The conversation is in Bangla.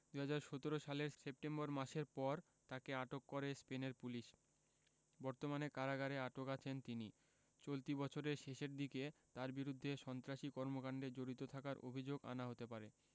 ২০১৭ সালের সেপ্টেম্বর মাসের পর তাকে আটক করে স্পেনের পুলিশ বর্তমানে কারাগারে আটক আছেন তিনি চলতি বছরের শেষের দিকে তাঁর বিরুদ্ধে সন্ত্রাসী কর্মকাণ্ডে জড়িত থাকার অভিযোগ আনা হতে পারে